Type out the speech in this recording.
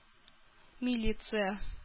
Милиция